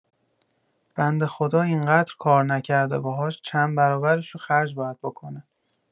بنده خدا اینقدر کار نکرده باهاش چند برابرشو خرج باید بکنه